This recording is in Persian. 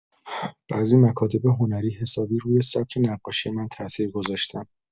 بعضی مکاتب هنری حسابی روی سبک نقاشی من تاثیر گذاشتن.